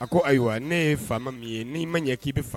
A ko ayiwa, ne ye faama min ye n'i ma ɲɛ k'i bɛ